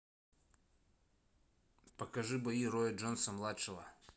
покажи бои роя джонса младшего